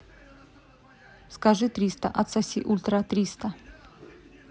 скажи триста отсоси ультра триста